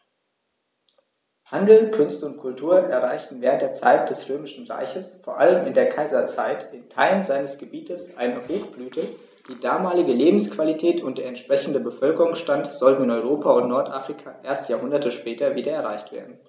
Handel, Künste und Kultur erreichten während der Zeit des Römischen Reiches, vor allem in der Kaiserzeit, in Teilen seines Gebietes eine Hochblüte, die damalige Lebensqualität und der entsprechende Bevölkerungsstand sollten in Europa und Nordafrika erst Jahrhunderte später wieder erreicht werden.